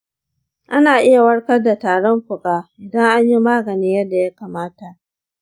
ana iya warkar da tarin fuka idan an yi magani yadda ya kamata.